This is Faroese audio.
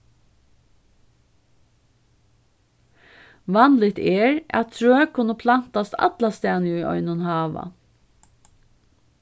vanligt er at trø kunnu plantast allastaðni í einum hava